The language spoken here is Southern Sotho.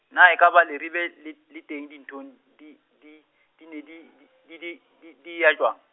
na ekaba Leribe le le teng dintho di, di di ne di, di di di di eya jwang?